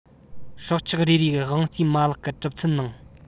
སྲོག ཆགས རེ རེའི དབང རྩའི མ ལག གི གྲུབ ཚུལ ནང